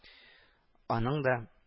— аның да